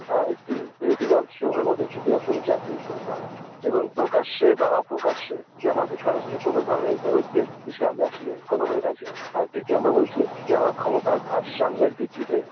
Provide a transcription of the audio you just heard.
বিরোধী দল সমূহের মধ্যে একটি জাতীয় ঐক্য হতে হবে এবং প্রকাশ্যে বা অপ্রকাশ্যে জামায়াত ইসলামের সাথে কোন ধরনের ঐক্যের বিষয়ে আমরা আসলে কোন ভাবেই রাজী নই আর দ্বিতীয় আমরা বলছি যে আমরা ক্ষমতার ভারসাম্যের ভিত্তিতে